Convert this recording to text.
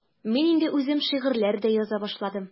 Мин инде үзем шигырьләр дә яза башладым.